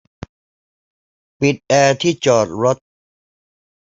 ปิดแอร์ที่จอดรถ